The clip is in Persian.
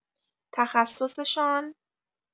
تخصصشان؟